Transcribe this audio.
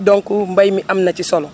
donc mbéy mi am na ci solo